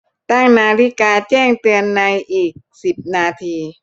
ตั้งนาฬิกาแจ้งเตือนในอีกสิบนาที